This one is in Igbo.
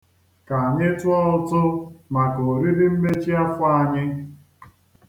Ka anyị tụọ ụtụ maka oriri mmechi afọ anyị.